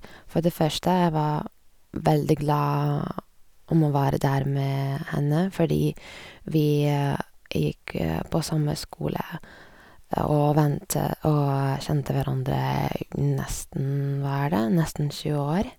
For det første, jeg var veldig glad om å være der med henne, fordi vi gikk på samme skole og vente og kjente hverandre g nesten hver dag, nesten tjue år.